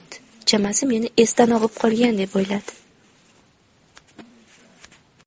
chamasi meni esdan og'ib qolgan deb o'yladi